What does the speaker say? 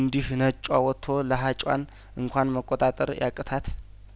እንዲህ ነጯ ወቶ ለሀጯን እንኳን መቆጣጠር ያቅታት